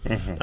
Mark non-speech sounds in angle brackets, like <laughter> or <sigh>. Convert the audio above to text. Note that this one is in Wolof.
<hesitation> <hesitation>